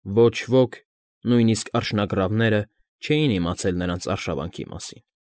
Ոչ ոք, նույնիսկ արջնագռավները չէին իմացել նրանց արշավանքի մասին։